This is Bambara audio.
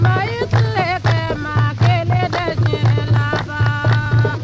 maa y'i tile kɛ maa kelen tɛ diɲɛ laban